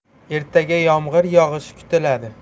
ertaga yomg'ir yog'ishi kutiladi